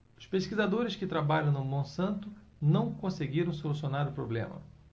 os pesquisadores que trabalham na monsanto não conseguiram solucionar o problema